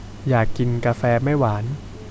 อยากกินกาแฟไม่หวาน